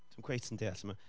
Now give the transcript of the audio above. Dwi'm cweit yn deall sut ma'...